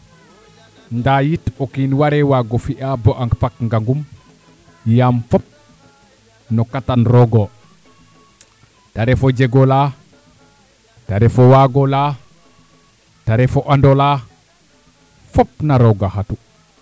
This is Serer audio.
ndaa yit o kiin warea waag o fi'a bo a fak ngangum yaam fop no katan roogo te ref o jeg olaa te ref o waag olaa te ref o and olaa fop na roog a xatu